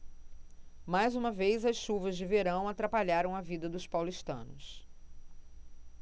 mais uma vez as chuvas de verão atrapalharam a vida dos paulistanos